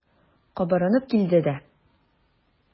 Кабарынып килде дә.